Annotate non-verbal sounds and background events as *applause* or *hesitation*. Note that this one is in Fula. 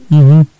*hesitation* *hesitation*